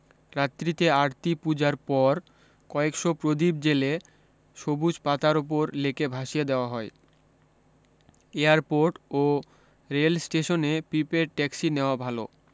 রাত্রীতে আরতি পূজার পর কয়েকশ প্রদীপ জেলে সবুজ পাতার উপর লেকে ভাসিয়ে দেওয়া হয় এয়ারপোর্ট ও রেল স্টেশনে প্রিপেড ট্যাক্সি নেওয়া ভাল